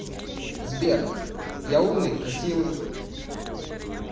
сбер я умный красивый